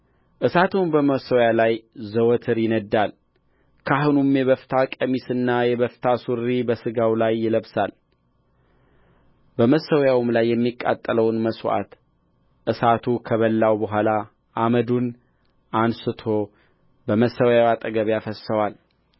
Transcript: እሳቱም በመሠዊያው ላይ ዘወትር ይነድዳልካህኑም የበፍታ ቀሚስና የበፍታ ሱሪ በሥጋው ላይ ይለብሳል በመሠዊያውም ላይ የሚቃጠለውን መሥዋዕት እሳቱ ከበላው በኋላ አመዱን አንሥቶ በመሠዊያው አጠገብ ያፈስሰዋል